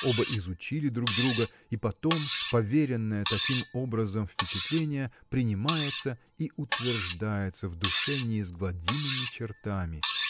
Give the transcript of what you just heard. оба изучили друг друга – и потом поверенное таким образом впечатление принимается и утверждается в душе неизгладимыми чертами.